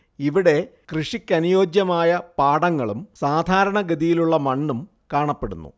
ഇവിടെ കൃഷിക്കനുയോജ്യമായ പാടങ്ങളും സാധാരണ ഗതിയിലുള്ള മണ്ണും കാണപ്പെടുന്നു